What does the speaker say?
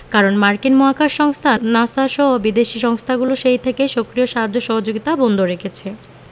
কারণ মার্কিন মহাকাশ সংস্থা নাসা সহ বিদেশি সংস্থাগুলো সেই থেকে সক্রিয় সাহায্য সহযোগিতা বন্ধ রেখেছে